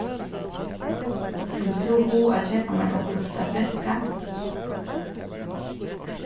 hevur tú hug at keypa mær okkurt at drekka